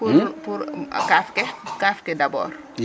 pour kaaf ke dabord.